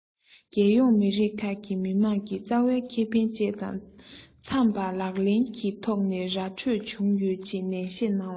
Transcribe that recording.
རྒྱལ ཡོངས མི རིགས ཁག གི མི དམངས ཀྱི རྩ བའི ཁེ ཕན བཅས དང འཚམས པ ལག ལེན གྱི ཐོག ནས ར འཕྲོད བྱུང ཡོད ཅེས ནན བཤད གནང བ རེད